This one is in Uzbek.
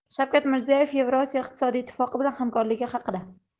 shavkat mirziyoyev yevrosiyo iqtisodiy ittifoqi bilan hamkorlik haqida